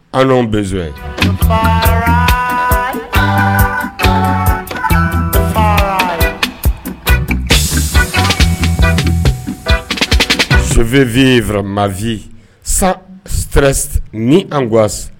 An n bɛz sovfinma v san ni an gas